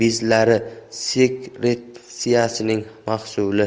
bezlari sekretsiyasining mahsuli